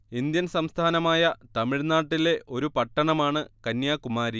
Indian സംസ്ഥാനമായ തമിഴ്നാട്ടിലെ ഒരു പട്ടണമാണ് കന്യാകുമാരി